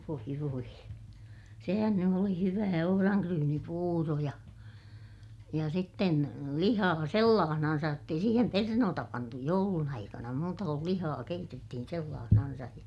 voi voi sehän nyt oli hyvää ohranryynipuuro ja ja sitten lihaa sellaisenaan jotta ei siihen perunoita pantu joulun aikana muuta kuin lihaa keitettiin sellaisenaan ja